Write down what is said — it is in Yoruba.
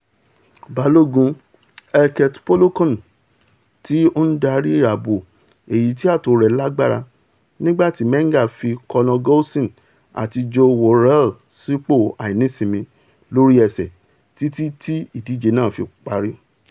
Balògun Halkett pọ̀lọ́kan, tí ó ndarí ààbò èyití ààtò rẹ̀ lágbára, nígbàti Menga fi Connor Golson àti Joe Worall sípò àìnísinmi lórí ẹsẹ̀ títí tí ìdíje fi parí.